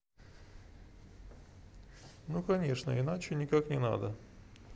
ну конечно иначе никак не надо